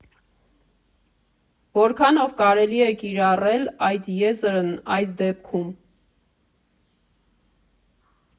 Որքանով կարելի է կիրառել այդ եզրն այս դեպքում։